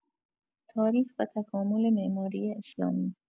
تاریخ و تکامل معماری اسلامی